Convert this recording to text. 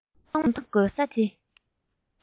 མྱོང བྱང ཐོག མར དགོད ས དེ